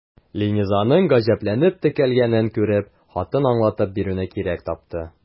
Ленизаның гаҗәпләнеп текәлгәнен күреп, хатын аңлатып бирүне кирәк тапты.